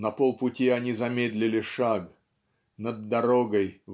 "На полпути они замедлили шаг над дорогой